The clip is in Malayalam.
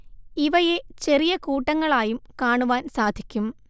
ഇവയെ ചെറിയ കൂട്ടങ്ങളായും കാണുവാൻ സാധിക്കും